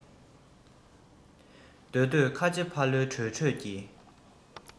འདོད འདོད ཁ ཆེ ཕ ལུའི གྲོས གྲོས ཀྱི